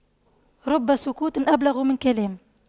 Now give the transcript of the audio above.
رب سكوت أبلغ من كلام